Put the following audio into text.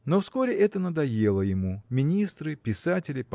Но вскоре это надоело ему – министры писатели